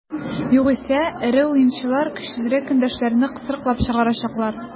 Югыйсә эре уенчылар көчсезрәк көндәшләрне кысрыклап чыгарачаклар.